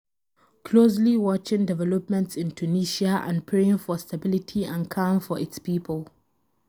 Closely watching developments in #Tunisia and praying for stability and calm for its people.